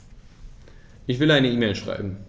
Ich will eine E-Mail schreiben.